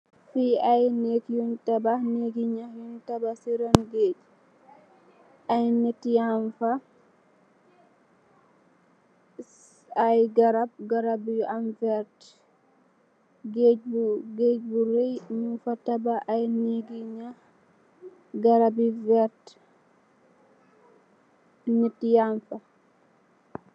Fi ay neek yun tabakh neek gi nyakh yuñ tabakh ci ron guage bi. Ay nit yang fa ay garap, garap yu am verta. Guage bu reye nyung fa tabakh ay neek gi nyakh. Garap yu verta nit yang fa.